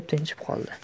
tinchib qoldi